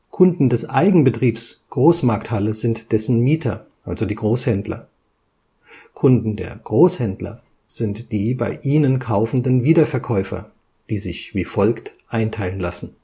Kunden des Eigenbetriebs Großmarkthalle sind dessen Mieter, also die Großhändler. Kunden der Großhändler sind die bei ihnen kaufenden Wiederverkäufer, die sich wie folgt einteilen lassen